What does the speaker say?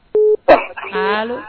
Allo